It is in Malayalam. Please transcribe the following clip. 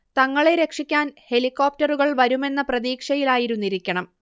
തങ്ങളെ രക്ഷിക്കാൻ ഹെലികോപ്റ്ററുകൾ വരുമെന്ന പ്രതീക്ഷയിലായിരുന്നിരിക്കണം